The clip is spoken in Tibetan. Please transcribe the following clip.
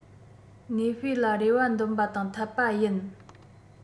གནས སྤོས ལ རེ བ འདོན པ དང འཐད པ ཡིན